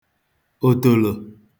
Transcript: òtòlò